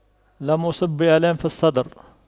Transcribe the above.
لم أصب بآلام في الصدر